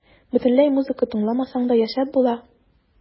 Бөтенләй музыка тыңламасаң да яшәп була.